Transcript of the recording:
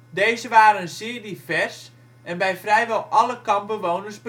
Deze waren zeer divers en bij vrijwel alle kampbewoners